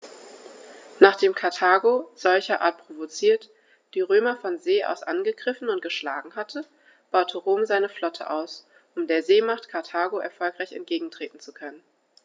Nachdem Karthago, solcherart provoziert, die Römer von See aus angegriffen und geschlagen hatte, baute Rom seine Flotte aus, um der Seemacht Karthago erfolgreich entgegentreten zu können.